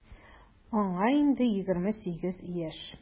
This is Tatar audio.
Аңа инде 28 яшь.